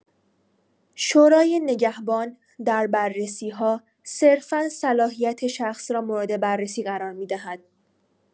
شورای نگهبان در بررسی‌ها، صرفا صلاحیت شخص را مورد بررسی قرار می‌دهد.